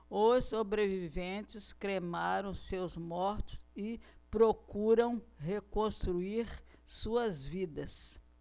os sobreviventes cremaram seus mortos e procuram reconstruir suas vidas